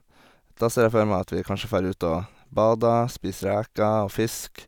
Da ser jeg for meg at vi kanskje fær ut og bader, spiser reker og fisk.